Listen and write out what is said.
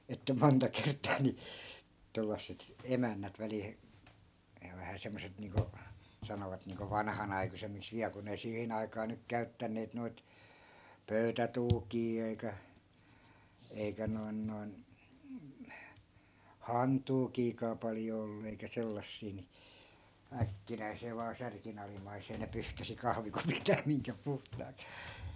että monta kertaa niin tuollaiset emännät välillä - ja vähän semmoiset niin kuin sanovat niin kuin vanhanaikuisemmiksi vielä kun ei siihen aikaan nyt käyttäneet noita pöytätuukeja eikä eikä noin noin hantuukejakaan paljon ollut eikä sellaisia niin äkkinäiseen vain särkin alimmaiseen ne pyyhkäisi kahvikupit ja minkä puhtaaksi